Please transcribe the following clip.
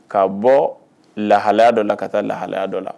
Ka bɔ lahalaya dɔ la ka taa lahalaya dɔ la